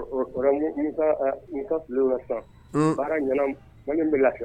N n ka tile la san baara ɲɛna mali bɛ lafi